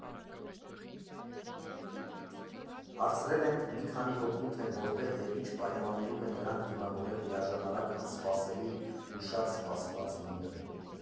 Հարցրել ենք մի քանի հոգու, թե որտեղ և ինչ պայմաններում են նրանք դիմավորել միաժամանակ անսպասելի ու շատ սպասված լուրը։